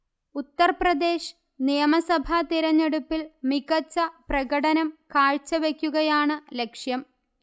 ഉത്തർപ്രദേശ് നിയമസഭാ തിരഞ്ഞെടുപ്പിൽ മികച്ച പ്രകടനം കാഴ്ചവെക്കുകയാണ് ലക്ഷ്യം